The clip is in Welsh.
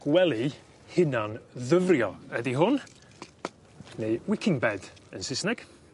Gwely hunan ddyfrio ydi hwn, neu wicking bed yn Sysneg.